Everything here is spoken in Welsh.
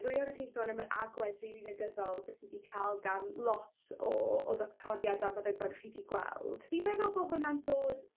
...ddwy ohonoch chi'n sôn am yr agwedd rili negyddol 'dych chi 'di ca'l gan lot o o ddoctoriad a feddygon chi 'di gweld fi'n meddwl bo' hwnna'n dod